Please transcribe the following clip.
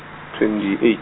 twenty eigh-.